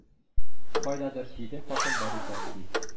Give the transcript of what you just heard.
"кайдадыр җиде хатын бар икән, ди